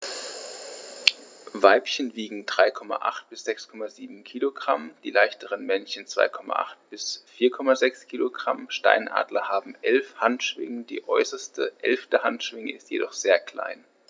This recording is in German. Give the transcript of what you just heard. Weibchen wiegen 3,8 bis 6,7 kg, die leichteren Männchen 2,8 bis 4,6 kg. Steinadler haben 11 Handschwingen, die äußerste (11.) Handschwinge ist jedoch sehr klein.